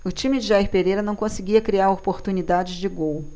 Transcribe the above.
o time de jair pereira não conseguia criar oportunidades de gol